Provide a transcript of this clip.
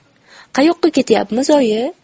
qayoqqa ketyapmiz oyi